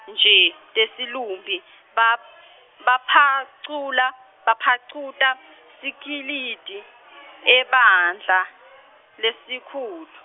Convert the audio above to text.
nje, tesilumbi, ba- baphacula, baphacuta, sikilidi, ebandla, lesikhulu.